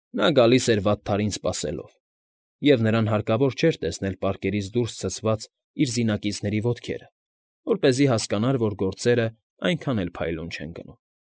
Նա գալիս էր վատթարին սպասելով, և նրան հարկավոր չէր տեսնել պարկերից դուրս ցցված իր զինակիցների ոտքերը, որպեսզի հասկանար, որ գործերն այնքան էլ փայլուն չեն գնում։